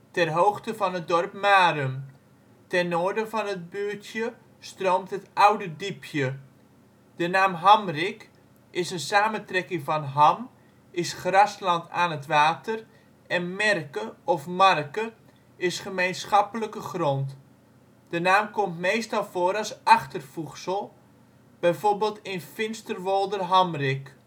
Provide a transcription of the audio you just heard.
ter hoogte van het dorp Marum. Ten noorden van het buurtje stroomt het Oude Diepje. De naam Hamrik is een samentrekking van Ham = grasland aan het water, en merke of marke = gemeenschappelijke grond. De naam komt meestal voor als achtervoegsel, bijvoorbeeld in Finsterwolderhamrik